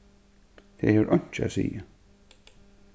tað hevur einki at siga